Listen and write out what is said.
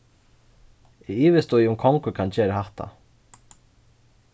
eg ivist í um kongur kann gera hatta